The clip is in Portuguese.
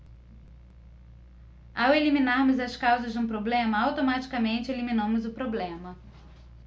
ao eliminarmos as causas de um problema automaticamente eliminamos o problema